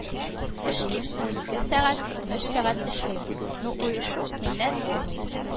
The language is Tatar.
Эшлим, унике сәгать, унөч сәгать эшлим, но оешу миннән булмый